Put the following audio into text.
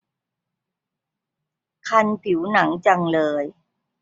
คันผิวหนังจังเลย